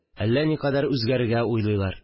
Әллә никадәр үзгәрергә уйлыйлар